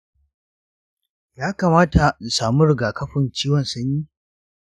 yakamata in samu rigakafin ciwon sanyi?